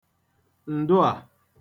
ǹdụà